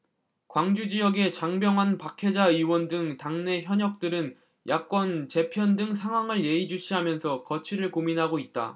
광주지역의 장병완 박혜자 의원 등 당내 현역들은 야권 재편 등 상황을 예의주시하면서 거취를 고민하고 있다